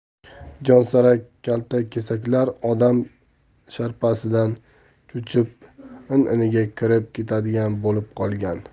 jonsarak kaltakesaklar odam sharpasidan cho'chib in iniga kirib ketadigan bo'lib qolgan